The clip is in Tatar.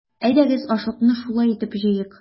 Әйдәгез, ашлыкны да шулай итеп җыйыйк!